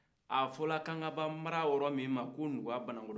abɛ fɔ kangaba mara min ma k'o nuba bananankɔrɔ